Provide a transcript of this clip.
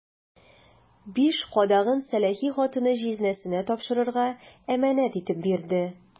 Биш кадагын сәләхи хатыны җизнәсенә тапшырырга әманәт итеп бирде.